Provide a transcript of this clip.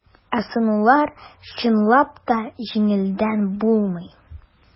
Ә сынаулар, чынлап та, җиңелдән булмый.